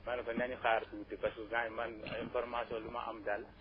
ma ne ko nañu xaar tuuti parce que temps yii man information bi ma am daal